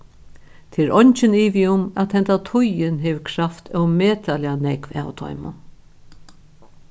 tað er eingin ivi um at henda tíðin hevur kravt ómetaliga nógv av teimum